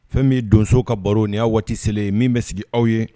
Fɛn min donso ka baro nin y'a waati selen ye min bɛ sigi aw ye